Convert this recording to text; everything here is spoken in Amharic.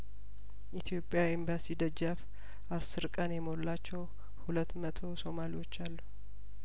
ኢትዮጵያኤምባሲ ደጃፍ አስር ቀን የሞላቸው ሁለት መቶ ሶማሌዎች አሉ